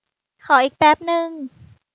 ขออีกแปปนึง